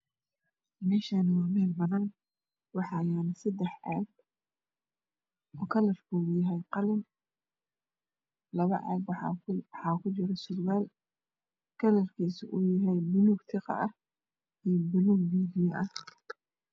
Mishani wa mel banan wax yalo saddax cag oo kalarkodu yahay Qalin labo cag waxa kujiro sur wal kalar kiisa uu yahay bulug tiqah Iyo bulug biyo biyo ah